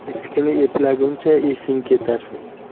eskini eplaguncha esing ketar